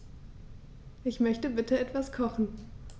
Ich möchte bitte etwas kochen.